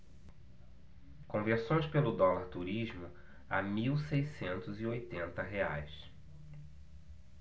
conversões pelo dólar turismo a mil seiscentos e oitenta reais